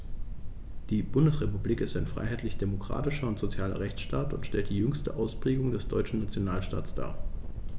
Die Bundesrepublik ist ein freiheitlich-demokratischer und sozialer Rechtsstaat und stellt die jüngste Ausprägung des deutschen Nationalstaates dar.